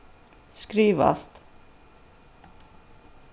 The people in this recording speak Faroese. skrivast